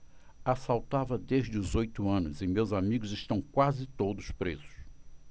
assaltava desde os oito anos e meus amigos estão quase todos presos